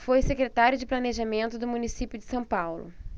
foi secretário de planejamento do município de são paulo